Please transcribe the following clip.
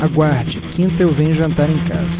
aguarde quinta eu venho jantar em casa